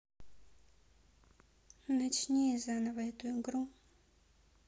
начни заново эту игру